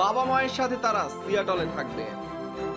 বাবা মায়ের সাথে তারা সিয়াটল এ থাকবে